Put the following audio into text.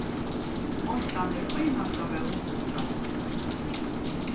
mortan er einasta vón okkara